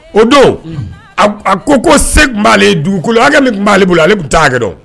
O don a ko ko se tun b'ale dugukolo a min tun b'ale bolo ale tun t'a kɛ dɔn